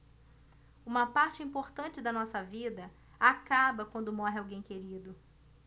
uma parte importante da nossa vida acaba quando morre alguém querido